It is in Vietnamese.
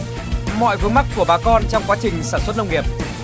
mọi vướng mắc của bà con trong quá trình sản xuất nông nghiệp